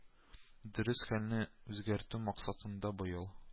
Дөрес, хәлне үзгәртү максатында быел